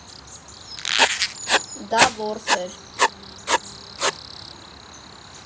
Դա որս էր։